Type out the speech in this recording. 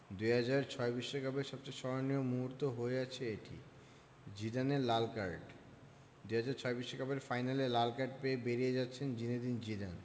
২০০৬ বিশ্বকাপের সবচেয়ে স্মরণীয় মুহূর্ত হয়ে আছে এটি জিদানের লাল কার্ড ২০০৬ বিশ্বকাপের ফাইনাল ম্যাচে লাল কার্ড পেয়ে বেরিয়ে যাচ্ছেন জিনেদিন জিদান